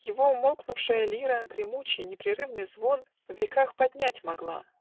Его умолкнувшая лира Гремучий, непрерывный звон В веках поднять могла.